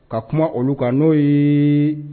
Ka kuma olu ka n'o ye